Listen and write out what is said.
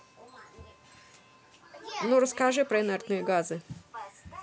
ну расскажи про инертные газы